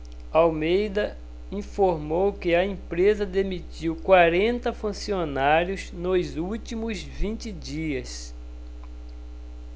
almeida informou que a empresa demitiu quarenta funcionários nos últimos vinte dias